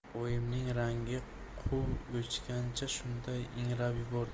oyimning rangi quv o'chgancha shunday ingrab yubordi